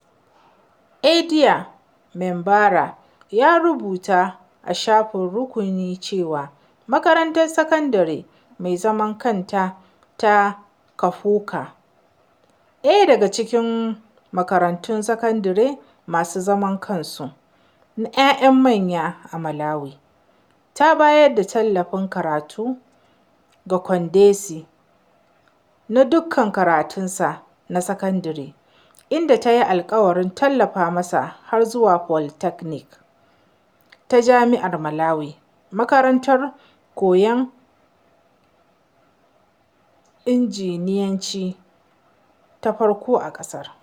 Eddie Mombera ya rubuta a shafin rukuni cewa Makarantar Sakandare mai zaman kanta ta Kaphuka, ɗaya daga cikin makarantun sakandare masu zaman kansu na 'ya'yan manya a Malawi, ta bayar da tallafin karatu ga Kondesi “na dukkan karatunsa na sakandare,”inda tayi alƙawarin tallafa masa har zuwa Polytechnic ta Jami’ar Malawi, makarantar koyan injiniyanci ta farko a ƙasar.